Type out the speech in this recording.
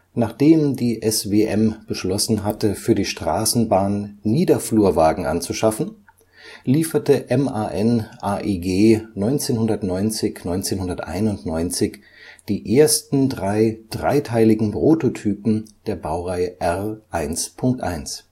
Nachdem die SWM beschlossen hatte, für die Straßenbahn Niederflurwagen anzuschaffen, lieferte MAN/AEG 1990 / 91 die ersten drei dreiteiligen Prototypen der Baureihe R 1.1